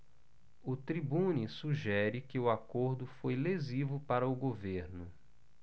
o tribune sugere que o acordo foi lesivo para o governo